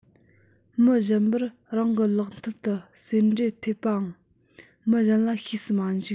མི གཞན པར རང གི ལག མཐིལ དུ སེན འདྲེད ཐེབས པའང མི གཞན ལ ཤེས སུ མ འཇུག